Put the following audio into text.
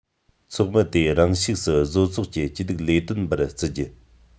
ཚོགས མི དེ རང ཤུགས སུ བཟོ ཚོགས ཀྱི སྐྱིད སྡུག ལས དོན པར བརྩི རྒྱུ